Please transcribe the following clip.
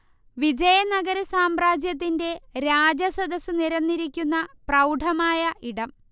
വിജയ നഗര സാമ്രാജ്യത്തിന്റെ രാജസദസ്സ് നിരന്നിരിക്കുന്ന പ്രൗഢമായ ഇടം